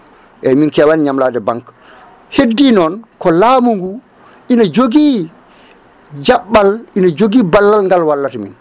eyyi min kewani ñamlade banque heddi noon ko laamu ngu ine jogui jaɓɓal ine jogui ballal ngla wallata min